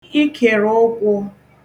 ikèrè ụkwụ̄